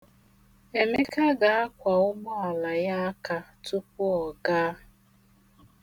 Emeka ga-akwa ụgbọala ya aka tupu ọ gaa.